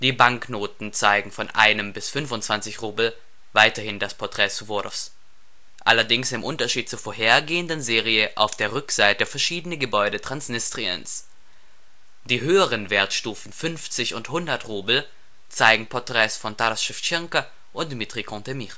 Banknoten zeigen von 1 bis 25 Rubel weiterhin das Porträt Suworows, allerdings im Unterschied zur vorhergehenden Serie auf der Rückseite verschiedene Gebäude Transnistriens. Die höheren Wertstufen 50 und 100 Rubel zeigen Porträts von Taras Schewtschenko und Dimitrie Cantemir